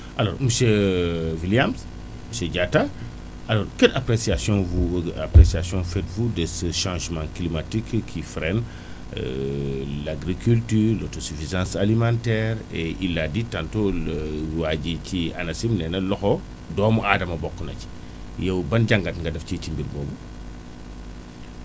alors monsiaur Williams monsieur Diatta alors quelle appréciation vous vous appréciation faites vous de ce changement climatique qui freine l' agriculture l' autosuffisance alimentaire et il l' a dit tantôt le waa jii ci ANACIM nee na loxo doomu aadama bokk na ci yow ban jàngat nga def ci ci mbir boobu